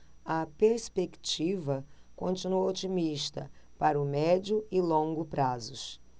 a perspectiva continua otimista para o médio e longo prazos